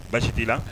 Basi t'i la